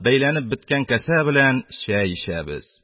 Бәйләнеп беткән кәсә белән чәй эчәбез.